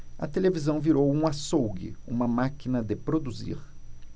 a televisão virou um açougue uma máquina de produzir